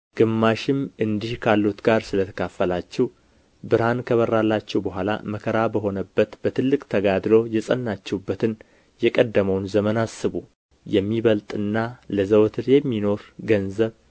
ግማሽም እንዲህ ካሉት ጋር ስለ ተካፈላችሁ ብርሃን ከበራላችሁ በኋላ መከራ በሆነበት በትልቅ ተጋድሎ የጸናችሁበትን የቀደመውን ዘመን አስቡ የሚበልጥና ለዘወትር የሚኖር ገንዘብ